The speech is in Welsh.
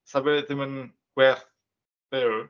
Sa bywyd ddim yn gwerth byw.